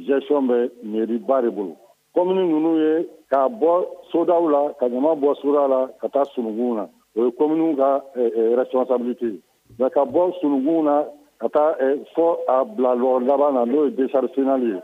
Cɔn bɛ mieriba de bolom ninnu ye'a bɔ sodaw la ka bɔ su la ka taa sunkun na o ye kɔm ka cɔn sabite yen nka ka bɔ sunkun na ka taa fɔ a bila da na n'o ye dɛsɛri seninali ye